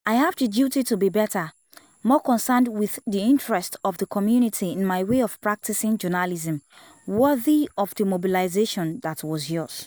I have the duty to be better, more concerned with the interests of the community in my way of practicing journalism, worthy of the mobilization that was yours.